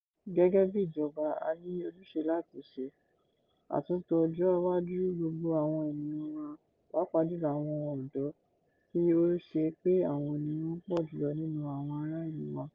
Gẹ́gẹ́ bíi ìjọba a ní ojúṣe láti ṣe àtúntò ọjọ́ iwájú gbogbo àwọn ènìyàn wa, pàápàá jùlọ àwọn ọ̀dọ́, tí ó ṣe pé àwọn ni wọ́n pọ̀ jùlọ nínú àwọn ará ìlú wa.